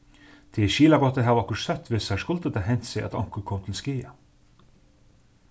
tað er skilagott at hava okkurt søtt við sær skuldi tað hent seg at onkur kom til skaða